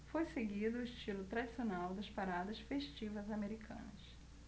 foi seguido o estilo tradicional das paradas festivas americanas